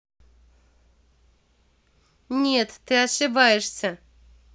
нет ты ошибаешься